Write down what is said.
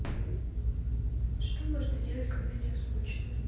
что можно делать когда тебе скучно